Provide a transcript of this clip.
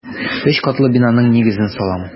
Өч катлы бинаның нигезен салам.